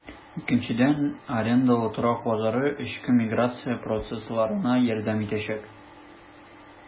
Икенчедән, арендалы торак базары эчке миграция процессларына ярдәм итәчәк.